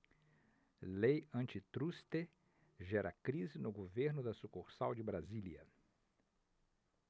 lei antitruste gera crise no governo da sucursal de brasília